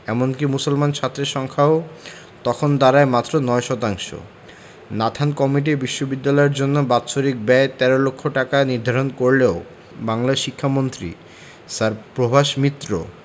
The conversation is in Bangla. এমনকি মুসলমান ছাত্রের সংখ্যাও তখন দাঁড়ায় মাত্র ৯ শতাংশ নাথান কমিটি বিশ্ববিদ্যালয়ের জন্য বাৎসরিক ব্যয় ১৩ লক্ষ টাকা নির্ধারণ করলেও বাংলার শিক্ষামন্ত্রী স্যার প্রভাস মিত্র